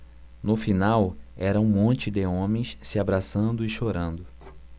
no final era um monte de homens se abraçando e chorando